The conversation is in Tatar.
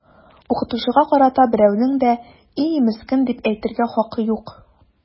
Укытучыга карата берәүнең дә “и, мескен” дип әйтергә хакы юк!